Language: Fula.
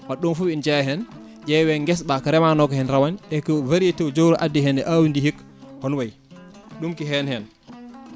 wadde ɗon foof ene jeeya hen ƴeewe guesa ba ko remanoko hen rawane e que variété jogorɗo adde hen e awdi ndi hikka hono waayi ɗum ko hen hen